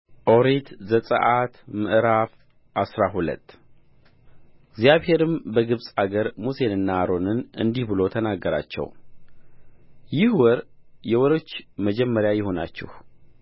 ኦሪት ዘጽአት ምዕራፍ አስራ ሁለት እግዚአብሔርም በግብፅ አገር ሙሴንና አሮንን እንዲህ ብሎ ተናገራቸው ይህ ወር የወሮች መጀመሪያ ይሁናችሁ